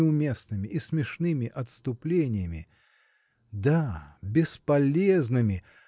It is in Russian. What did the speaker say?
неуместными и смешными отступлениями. да! бесполезными